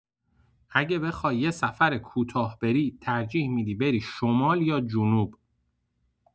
اگه بخوای یه سفر کوتاه بری، ترجیح می‌دی بری شمال یا جنوب؟